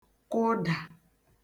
kụdà